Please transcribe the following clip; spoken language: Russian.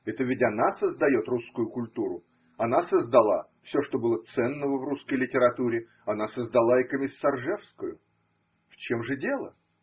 Это ведь она создает русскую культуру, она создала все, что было ценного в русской литературе, она создала и Комиссаржевскую. В чем же дело?